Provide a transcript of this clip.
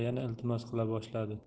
yana iltimos qila boshladi